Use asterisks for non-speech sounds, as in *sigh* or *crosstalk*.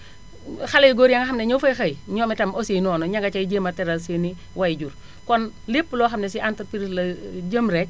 *inhales* xale yu góor ya nga xam ne ñoo fay xëy ñoom itam aussi noonu ña nga cay jéem a teral seen i waayjur kon lépp loo xam ne si entreprise la *hesitation* jëm rekk